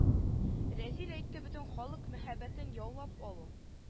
Разил әйтте бөтен халык мәхәббәтен яулап алу